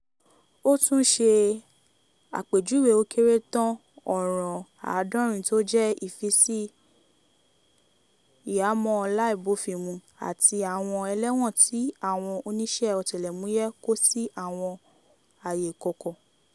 Ó tún ṣe àpéjúwe ó kéré tàn ọ̀ràn 70 tó jẹ́ "ìfisí ìhámọ́ láìbófinmu", àti àwọn ẹlẹ́wọ̀n tí àwọn oníṣẹ́ ọ̀tẹlẹ̀múyẹ́ kò sí àwọn àyè ìkọ̀kọ̀.